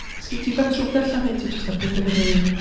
Sgen ti batrwm darllen neu ti jyst yn penderfynu...?